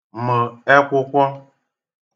mə̣̀ ẹkwụkwọ